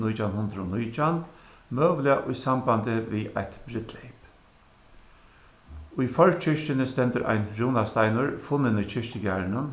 nítjan hundrað og nítjan møguliga í sambandi við eitt brúdleyp í forkirkjuni stendur ein rúnasteinur funnin í kirkjugarðinum